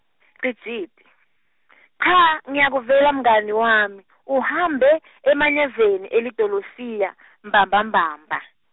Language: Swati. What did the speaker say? Cijimphi , cha, ngiyakuvela mngani wami, uhambe emanyeveni elidolofiya , mbambamba mba.